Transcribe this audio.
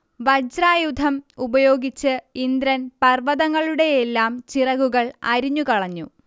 വജ്രായുധം ഉപയോഗിച്ച് ഇന്ദ്രൻ പർവ്വതങ്ങളുടെയെല്ലാം ചിറകുകൾ അരിഞ്ഞുകളഞ്ഞു